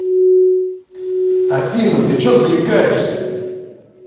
афина ты че заикаешься